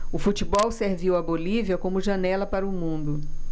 o futebol serviu à bolívia como janela para o mundo